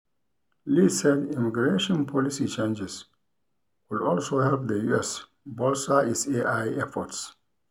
Lee said immigration policy changes could also help the U.S. bolster its AI efforts.